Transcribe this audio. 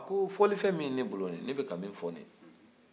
a ko fɔlifɛn min bɛ ne bolo nin ye ne bɛ ka min fɔ nin ye